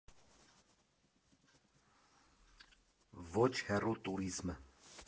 Ոչ հեռու տուրիզմ։